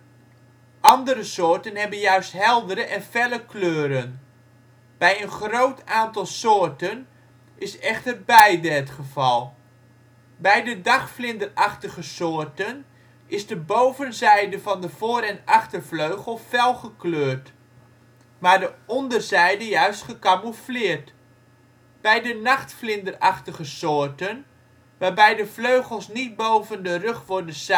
Andere soorten hebben juist heldere en felle kleuren. Bij een groot aantal soorten is echter beide het geval. Bij de dagvlinderachtige soorten is de bovenzijde van de voor - en achtervleugel fel gekleurd, maar de onderzijde juist gecamoufleerd. Bij de nachtvlinderachtige soorten, waarbij de vleugels niet boven de rug worden samengeklapt